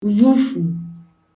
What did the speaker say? vufù